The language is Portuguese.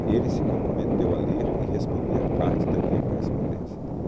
ele se comprometeu a ler e responder parte da minha correspondência